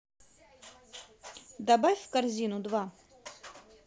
добавь в корзину два